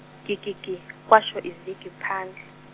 gi gi gi, kwasho izigi phandle.